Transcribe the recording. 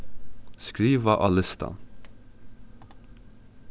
skriva á listan